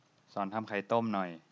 สอนทำไข่ต้มหน่อย